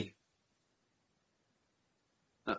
ni.